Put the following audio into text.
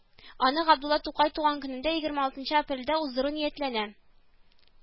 Аны Габдулла Тукай туган көндә егерме алтынчы апрельдә уздыру ниятләнә